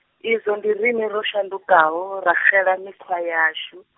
izwo ndi riṋe ro shandukaho, ra xela mikhwa yashu.